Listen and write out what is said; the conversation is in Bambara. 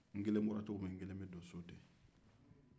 n kelen bɔra cogo min na n kelen bɛ don so ten